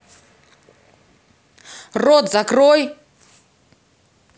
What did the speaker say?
рот закрой